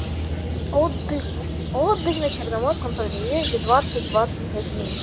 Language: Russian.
отдых на черноморском побережье двадцать двадцать один